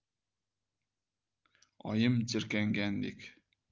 oyim jirkangandek